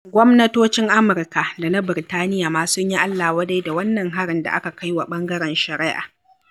Gwamnatocin Amurka da na Birtaniya ma sun yi allawadai da wannan harin da aka kai wa ɓangaren shari'a.